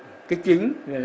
cái chính là